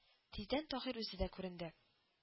— тиздән таһир үзе дә күренде